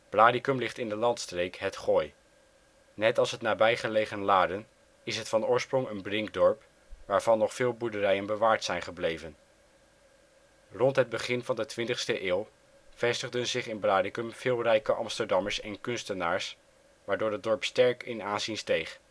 Blaricum ligt in de landstreek het Gooi. Net als het nabijgelegen Laren is het van oorsprong een brinkdorp waarvan nog veel boerderijen bewaard zijn gebleven. Rond het begin van de twintigste eeuw vestigden zich in Blaricum veel rijke Amsterdammers en kunstenaars, waardoor het dorp sterk in aanzien steeg